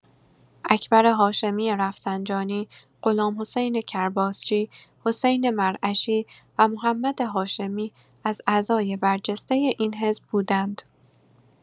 اکبر هاشمی رفسنجانی، غلامحسین کرباسچی، حسین مرعشی و محمد هاشمی از اعضای برجسته این حزب بودند.